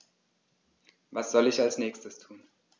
Was soll ich als Nächstes tun?